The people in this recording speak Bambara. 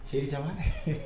Sisa